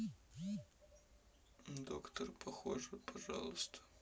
доктор похоже пожалуйста